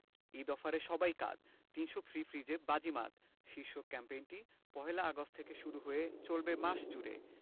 ঈদ অফারে সবাই কাত ৩০০ ফ্রি ফ্রিজে বাজিমাত শীর্ষক ক্যাম্পেইনটি পহেলা আগস্ট থেকে শুরু হয়ে চলবে মাস জুড়ে